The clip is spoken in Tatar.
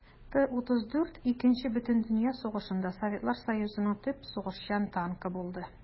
Т-34 Икенче бөтендөнья сугышында Советлар Союзының төп сугышчан танкы булды.